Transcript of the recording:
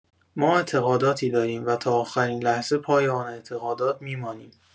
ما اعتقاداتی داریم و تا آخرین لحظه پای آن اعتقادات می‌مانیم.